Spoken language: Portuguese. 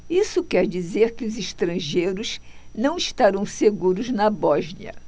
isso quer dizer que os estrangeiros não estarão seguros na bósnia